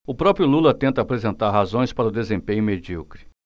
o próprio lula tenta apresentar razões para o desempenho medíocre